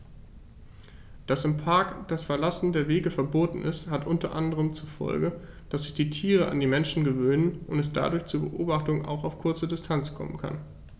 Dass im Park das Verlassen der Wege verboten ist, hat unter anderem zur Folge, dass sich die Tiere an die Menschen gewöhnen und es dadurch zu Beobachtungen auch auf kurze Distanz kommen kann.